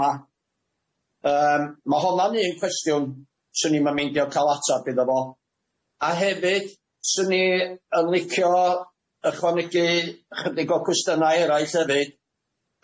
yma yym ma' honna'n un cwestiwn swn i'm yn meindio ca'l atab iddo fo a hefyd swn i yn licio ychwanegu chydig o cwestynnau eraill hefyd,